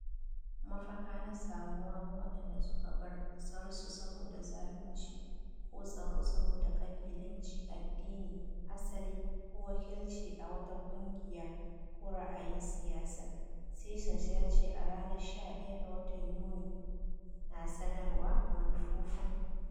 "Mafaka na samuwa ga waɗanda suka bar ƙasarsu saboda zalunci ko tsoro saboda kabilanci, addini, asali, ko wakilci a wata ƙungiya ko ra'ayin siyasa," Sessions ya ce a ranar 11 ga watan yuni na sanarwar manufofin.